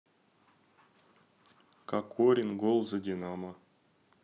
кокорин гол за динамо